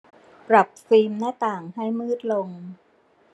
ปรับฟิล์มหน้าต่างให้มืดลง